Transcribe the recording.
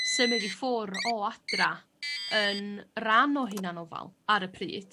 symud i ffwr' o adra yn ran o hunanofal ar y pryd.